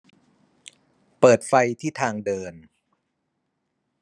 เปิดไฟที่ทางเดิน